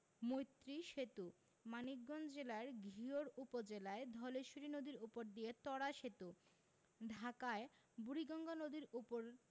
মৈত্রী সেতু মানিকগঞ্জ জেলার ঘিওর উপজেলায় ধলেশ্বরী নদীর উপর দিয়ে ত্বরা সেতু ঢাকায় বুড়িগঙ্গা নদীর উপর